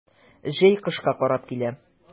Җәй кышка карап килә.